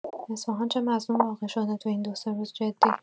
اصفهان چه مظلوم واقع‌شده تو این دو سه روز جدی